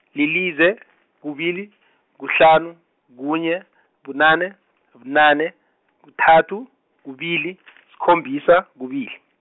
lilize , kubili, kuhlanu, kunye, bunane, bunane, kuthathu, kubili, sikhombisa, kubili.